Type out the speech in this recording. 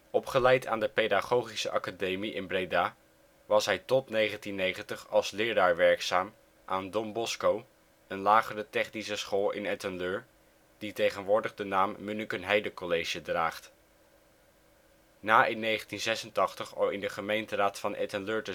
Opgeleid aan de pedagogische academie in Breda, was hij tot 1990 als leraar werkzaam aan Don Bosco, een lagere technische school in Etten-Leur, die tegenwoordig de naam Munnikenheide College draagt. Na in 1986 al in de gemeenteraad van Etten-Leur